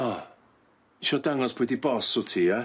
O. Isio dangos pwy di boss w't ti ia?